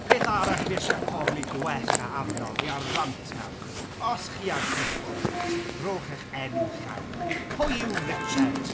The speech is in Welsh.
Peth arall fi isie pobl i gwella arno... fi ar rant nawr os chi ar Cwis Bob Dydd rhowch eich enw llawn, pwy yw Richard?